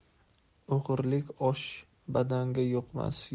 o'g'irlik osh badanga yuqmas